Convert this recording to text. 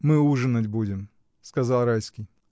— Мы ужинать будем, — сказал Райский.